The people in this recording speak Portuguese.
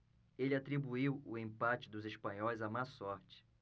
ele atribuiu o empate dos espanhóis à má sorte